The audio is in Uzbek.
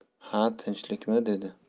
ha tinchlikmi dedi